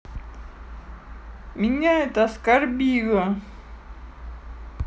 меня это оскорбило